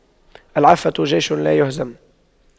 العفة جيش لايهزم